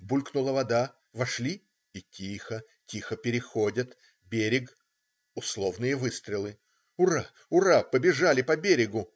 Булькнула вода, вошли и тихо, тихо переходят. Берег. Условные выстрелы. Ура! Ура! побежали по берегу.